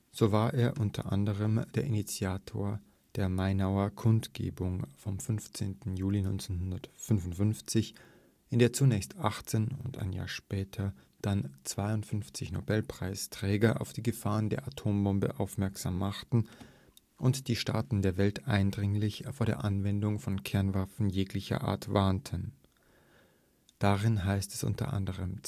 So war er, unter anderem, der Initiator der Mainauer Kundgebung vom 15. Juli 1955, in der zunächst 18 und ein Jahr später dann 52 Nobelpreisträger auf die Gefahren der Atombombe aufmerksam machten und die Staaten der Welt eindringlich vor der Anwendung von Kernwaffen jeglicher Art warnten. Darin heißt es unter anderem